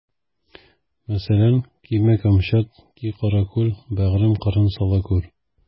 Мәсәлән: Кимә камчат, ки каракүл, бәгърем, кырын сала күр.